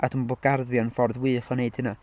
A dwi'n meddwl bod garddio yn ffordd wych o wneud hynna.